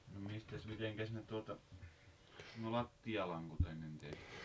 no mistäs mitenkäs ne tuota nuo lattialankut ennen tehtiin